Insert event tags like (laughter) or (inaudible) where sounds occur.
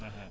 (hesitation) (hesitation)